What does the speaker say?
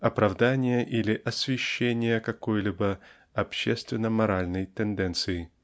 оправдания или освящения какой-либо общественно-моральной тенденции.